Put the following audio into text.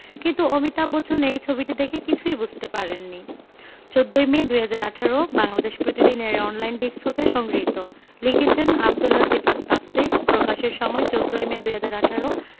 কিন্তু অমিতাভ বচ্চন এই ছবিটি দেখে কিছুই বুঝতে পারেননি ১৪ ই মে ২০১৮ বাংলাদেশ প্রতিদিন এর অনলাইন ডেস্ক হতে সংগৃহীত লিখেছেনঃ আব্দুল্লাহ সিফাত তাফসীর প্রকাশের সময় ১৪ ই মে ২০১৮